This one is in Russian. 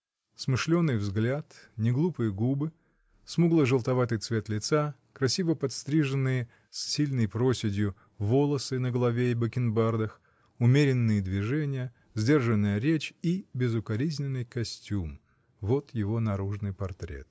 Смышленый взгляд, неглупые губы, смугло-желтоватый цвет лица, красиво подстриженные, с сильной проседью, волосы на голове и бакенбардах, умеренные движения, сдержанная речь и безукоризненный костюм — вот его наружный портрет.